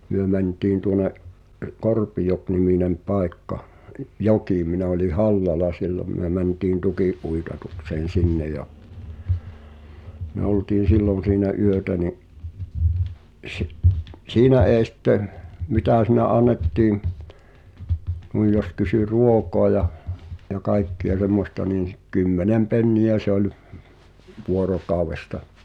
me mentiin tuonne Korpijoki-niminen paikka - joki minä olin Hallalla silloin me mentiin tukinuitatukseen sinne ja me oltiin silloin siinä yötä niin - siinä ei sitten mitä siinä annettiin noin jos kysyi ruokaa ja ja kaikkia semmoista niin - kymmenen penniä se oli vuorokaudesta